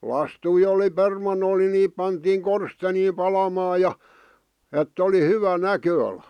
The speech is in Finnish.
lastuja oli permannolla niin niitä pantiin korsteeniin palamaan ja että oli hyvä näköala